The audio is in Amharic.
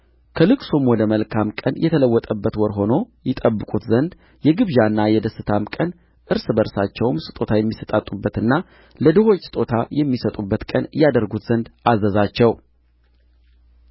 ከልቅሶም ወደ መልካም ቀን የተለወጠበት ወር ሆኖ ይጠብቁት ዘንድ የግብዣና የደስታም ቀን እርስ በርሳቸውም ስጦታ የሚሰጣጡበትና ለድሆች ስጦታ የሚሰጡበት ቀን ያደርጉት ዘንድ አዘዛቸው